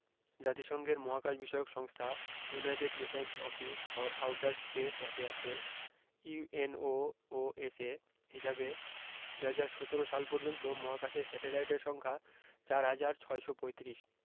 জাতিসংঘের মহাকাশবিষয়ক সংস্থা United Nations office for outer space অ্যাফেয়ার্সের ইউএনওওএসএ হিসাবে ২০১৭ সাল পর্যন্ত মহাকাশে স্যাটেলাইটের সংখ্যা ৪ হাজার ৬৩৫